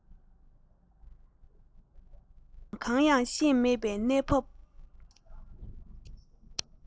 ཅི དང གང ཡང ཤེས མེད པའི གནས བབ